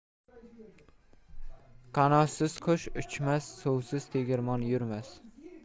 qanotsiz qush uchmas suvsiz tegirmon yurmas